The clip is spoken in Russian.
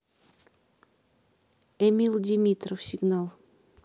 эмил димитров сигнал